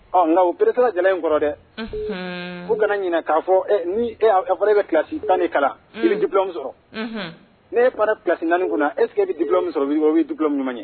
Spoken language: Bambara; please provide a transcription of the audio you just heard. Ɔ nka o bereeresira jala in kɔrɔ dɛ fo kana ɲin k'a fɔ ni e a fana ne bɛ kilasi tan ne kalan jibilaw min sɔrɔ nee taara kilasi naaniani kunna eseke bɛ jibilaw min sɔrɔ o bɛ jiilɔ min ɲuman ye